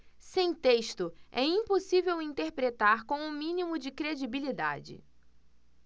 sem texto é impossível interpretar com o mínimo de credibilidade